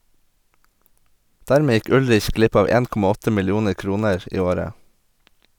Dermed gikk Ullrich glipp av 1,8 millioner kroner i året.